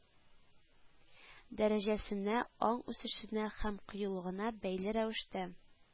Дәрәҗәсенә, аң үсешенә һәм кыюлыгына бәйле рәвештә,